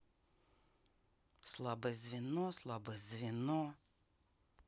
слабое звено слабое звено